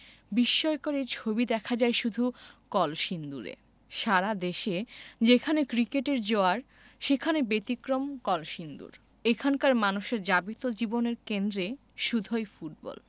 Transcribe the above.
বিস্ময়কর এই ছবি দেখা যায় শুধু কলসিন্দুরে সারা দেশে যেখানে ক্রিকেটের জোয়ার সেখানে ব্যতিক্রম কলসিন্দুর এখানকার মানুষের যাবিত জীবনের কেন্দ্রে শুধুই ফুটবল